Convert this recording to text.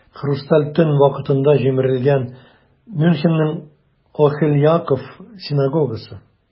"хрусталь төн" вакытында җимерелгән мюнхенның "охель яаков" синагогасы.